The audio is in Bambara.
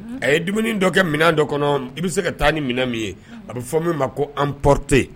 A ye dumuni dɔ kɛ minɛn dɔ kɔnɔ i bɛ se ka taa ni minɛn min ye a bɛ fɔ min ma ko anprte